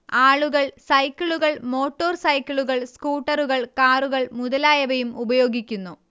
ആളുകൾ സൈക്കിളുകൾ മോട്ടോർ സൈക്കിളുകൾ സ്കൂട്ടറുകൾ കാറുകൾ മുതലായവയും ഉപയോഗിക്കുന്നു